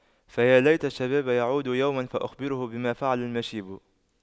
فيا ليت الشباب يعود يوما فأخبره بما فعل المشيب